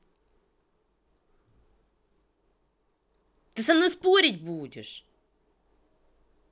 ты со мной спорить будешь